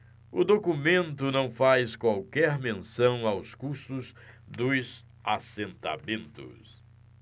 o documento não faz qualquer menção aos custos dos assentamentos